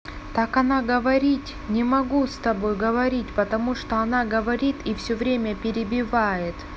так она говорить не могу с тобой говорить потому что она говорит и все время перебивает